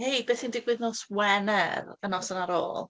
Hei be sy'n digwydd nos Wener, y noson ar ôl?